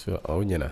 So aw ɲɛna